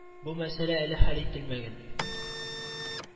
Бу мәсьәлә әле хәл ителмәгән